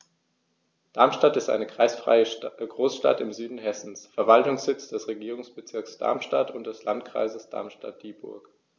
Darmstadt ist eine kreisfreie Großstadt im Süden Hessens, Verwaltungssitz des Regierungsbezirks Darmstadt und des Landkreises Darmstadt-Dieburg.